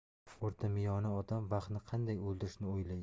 o'rtamiyona odam vaqtni qanday o'ldirishni o'ylaydi